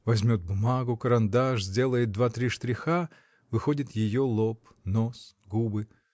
Возьмет бумагу, карандаш, сделает два-три штриха — выходит ее лоб, нос, губы.